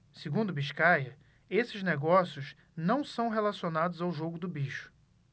segundo biscaia esses negócios não são relacionados ao jogo do bicho